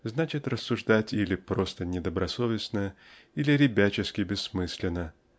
-- значит рассуждать или просто недобросовестно или ребячески-бессмысленно